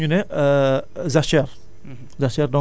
ñu yokk si ñu ne jachère